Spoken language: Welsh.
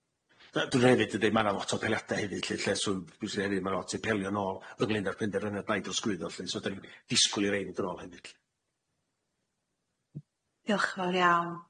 Yy dwi'n hefyd yn deud ma' na lot o daliade hefyd lly lly so dwi'n siŵr hefyd ma' na lot i apelio nôl ynglŷn â'r pender yna i drosglwyddo lly so. Diolch yn fawr iawn.